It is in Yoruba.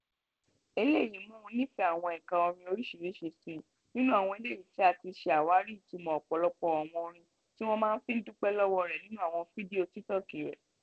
Eléyìí mú u nífẹ̀ẹ́ àwọn ẹ̀ka orin orísìíríṣìí sí, nínú àwọn eléyìí tí a ti ṣe àwárí ìtumọ̀ ọ̀pọ̀lọpọ̀ àwọn orin tí wọ́n máa ń fi dúpẹ́ lọ́wọ́ rẹ̀ nínu àwọn fídíò Tiktok rẹ.